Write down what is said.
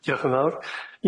Diolch yn fawr.